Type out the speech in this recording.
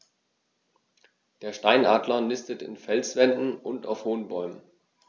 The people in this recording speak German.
Der Steinadler nistet in Felswänden und auf hohen Bäumen.